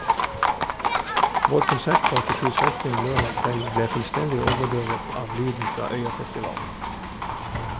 Vår konsert på Akershus festning lørdag kveld ble fullstendig overdøvet av lyden fra Øyafestivalen.